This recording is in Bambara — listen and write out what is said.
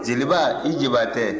jeliba i jabatɛ